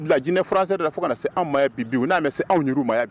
Laginɛ frontières la fɔ ka na se an ma yan bi., bi, u n'an bɛ se an yɛr'u ma yan bi!